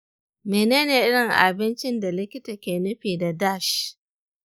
menene irin abincin da likita ke nufi da dash?